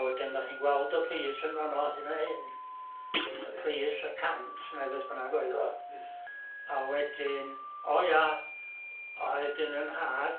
A wedyn dach chi'n gweld y pris yn fan 'no hyn a hyn, y pris y cant neu beth bynnag oedd o, a wedyn... o ia... oedd gyn fy nhad